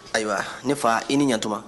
Ayiwa ne fa i ni ɲ ɲɛtuma